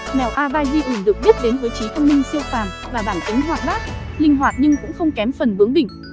mèo abysian được biết đến với trí thông minh siêu phàm và bản tính hoạt bát linh hoạt nhưng cũng không kém phần bướng bỉnh